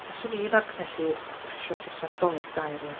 Fyswn i'n argymell hi os dach chi isio presant 'Dolig da i rywun.